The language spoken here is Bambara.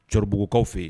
Cɔribugukaw fɛ yen